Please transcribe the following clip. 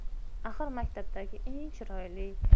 axir maktabdagi eng chiroyli